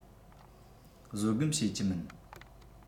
བཟོད སྒོམ བྱེད ཀྱི མིན